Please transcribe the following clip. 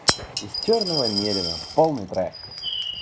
из черного мерина полный трек